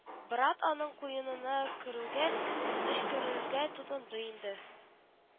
Брат аның куенына керүгә төчкерергә тотынды иде